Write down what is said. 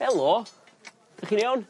Helo. 'Dych chi'n iawn?